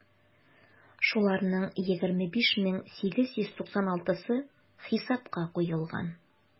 Шуларның 25 мең 896-сы хисапка куелган.